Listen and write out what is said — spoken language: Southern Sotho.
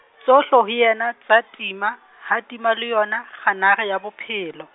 tsohle ho yena tsa tima, ha tima le yona, kganare ya bophelo.